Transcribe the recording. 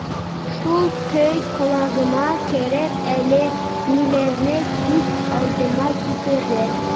Шул көй колагыма кереп, әллә ниләрне күз алдыма китерә...